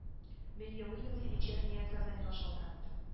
Мин елый-елый вечерняя казань га шалтыраттым